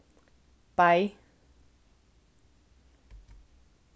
bei